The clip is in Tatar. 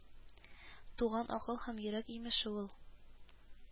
Туган акыл һәм йөрәк имеше ул